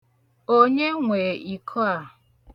Onye nwe iko a?